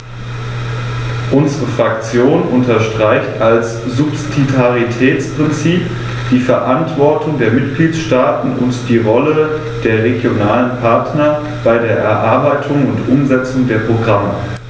Unsere Fraktion unterstreicht das Subsidiaritätsprinzip, die Verantwortung der Mitgliedstaaten und die Rolle der regionalen Partner bei der Erarbeitung und Umsetzung der Programme.